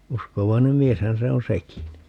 uskovainen mieshän se on sekin